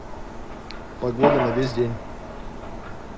погода на весь день